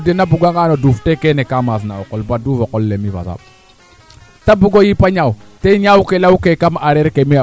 naaga na jeg kaa waaga fooge maɗako to yaago a ndeet lax reko a ndeet lax reko Djiby